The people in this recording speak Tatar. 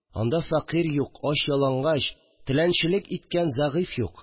Анда фәкыйрь юк, ач-ялангач, теләнчелек иткән зәгыйфь юк